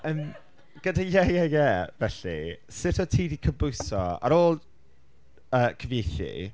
Yym, gyda Ie, Ie, Ie felly, sut o't ti 'di cydbwyso, ar ôl yy cyfieithu...